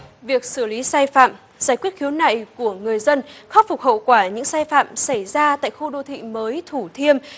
việc xử lý sai phạm giải quyết khiếu nại của người dân khắc phục hậu quả những sai phạm xảy ra tại khu đô thị mới thủ thiêm